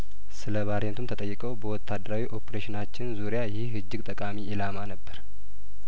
ስለባሬንቱም ተጠይቀው በወታደራዊ ኦፕሬሽናችን ዙሪያ ይህ እጅግ ጠቃሚው ኢላማ ነበር